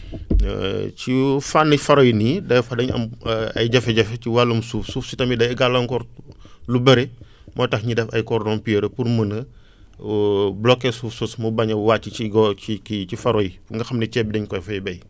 ci yu fànn foaraine yi day am ay jafe-jafe ci wàllum suuf suuf si tamit day gàllankoor lu bëri moo tax ñu def ay cordons pierreux pour mën a bloquer suuf soosu mu bañ a wàcc ci ci kii ci faro yi nga xam ne ceeb dañ ko fay béy